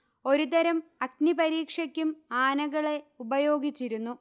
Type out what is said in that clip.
ഒരു തരം അഗ്നിപരീക്ഷയ്ക്കും ആനകളെ ഉപയോഗിച്ചിരുന്നു